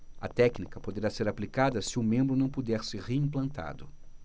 a técnica poderá ser aplicada se o membro não puder ser reimplantado